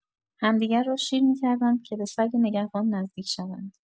همدیگر را شیر می‌کردند که به سگ نگهبان نزدیک شوند.